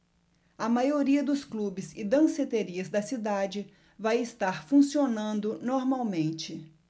a maioria dos clubes e danceterias da cidade vai estar funcionando normalmente